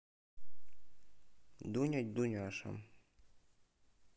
дуня дуняша